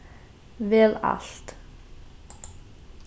vel alt